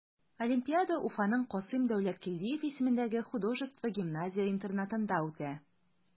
Олимпиада Уфаның Касыйм Дәүләткилдиев исемендәге художество гимназия-интернатында үтә.